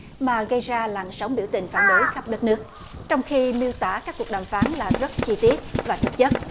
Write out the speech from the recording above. mà gây ra làn sóng biểu tình phản đối khắp đất nước trong khi miêu tả các cuộc đàm phán là rất chi tiết và thực chất